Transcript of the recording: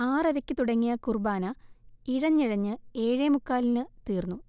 ആറരയ്ക്ക് തുടങ്ങിയ കുർബ്ബാന ഇഴഞ്ഞിഴഞ്ഞ് ഏഴേമുക്കാലിന് തീർന്നു